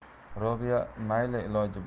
robiya mayli iloji